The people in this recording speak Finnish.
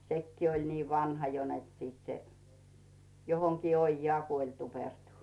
sekin oli niin vanha jo että sitten se johonkin ojaan kuoli tuupertui